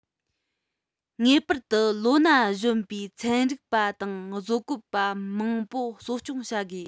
ངེས པར དུ ལོ ན གཞོན པའི ཚན རིག པ དང བཟོ བཀོད པ མང པོ གསོ སྐྱོང བྱ དགོས